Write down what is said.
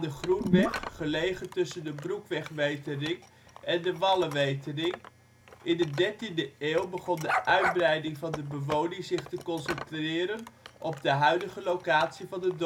Groenwegh ", gelegen tussen de Broekwegwetering en de Wallewetering. In de 13e eeuw begon de uitbreiding van de bewoning zich te concentreren op de huidige locatie van de